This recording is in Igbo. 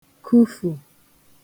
kufù